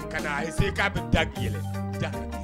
Ka n'a essayer k'a be da yɛlɛ da